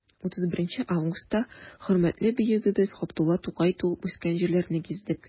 31 августта хөрмәтле бөегебез габдулла тукай туып үскән җирләрне гиздек.